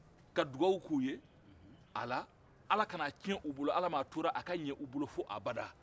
ka dugahu ye a ala ala kana tiɲɛ u bolo alamatola a ka ɲɛ u bolo fo habada